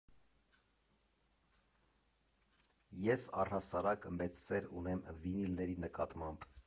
Ես առհասարակ մեծ սեր ունեմ վինիլների նկատմամբ։